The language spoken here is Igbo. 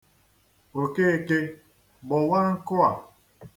Okeke gbọwaa nkụ a.